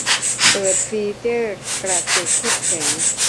เปิดฟีเจอร์กระจกทึบแสง